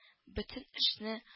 Бөтен эшне